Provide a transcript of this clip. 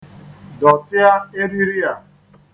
Dọtịa eriri a.